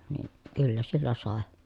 niin kyllä sillä sai